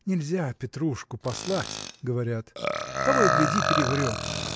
Нельзя Петрушку послать, – говорят, – того и гляди, переврет.